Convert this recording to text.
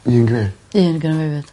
Un gen i. Un genno fi efyd.